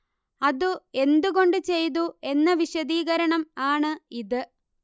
അതു എന്തു കൊണ്ട് ചെയ്തു എന്ന വിശദീകരണം ആണ് ഇത്